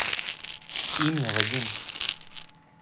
имя вадим